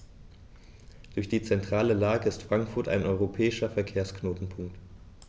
Durch die zentrale Lage ist Frankfurt ein europäischer Verkehrsknotenpunkt.